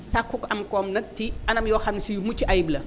sakku am koom nag ci anam yoo xam ne si yu mucc ayib la